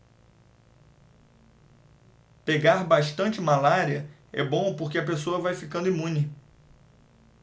pegar bastante malária é bom porque a pessoa vai ficando imune